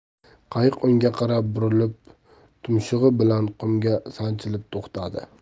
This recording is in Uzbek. qayiq unga qarab burilib tumshug'i bilan qumga sanchilib to'xtadi